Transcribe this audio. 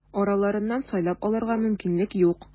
Араларыннан сайлап алырга мөмкинлек юк.